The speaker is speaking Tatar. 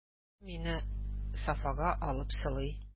Абзый мине софага алып сылый.